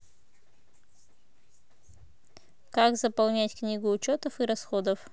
как заполнять книгу учетов и расходов